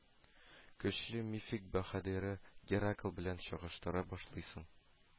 Көчле мифик баһадиры геракл белән чагыштыра башлыйсың